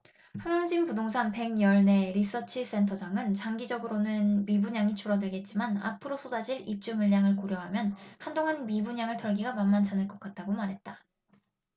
함영진 부동산 백 열 네 리서치센터장은 장기적으로는 미분양이 줄어들겠지만 앞으로 쏟아질 입주물량을 고려하면 한동안 미분양을 털기가 만만찮을 것 같다고 말했다